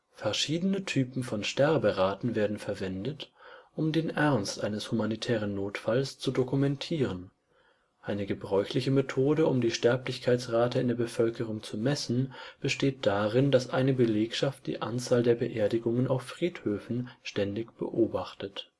Verschiedene Typen von Sterberaten werden verwendet, um den Ernst eines humanitären Notfalls zu dokumentieren; eine gebräuchliche Methode, um die Sterblichkeitsrate in der Bevölkerung zu messen, besteht darin, dass eine Belegschaft die Anzahl der Beerdigungen auf Friedhöfen ständig beobachtet